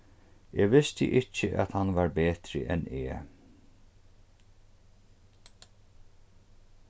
eg visti ikki at hann var betri enn eg